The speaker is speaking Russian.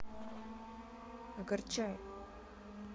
огорчай